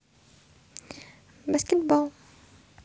баскетбол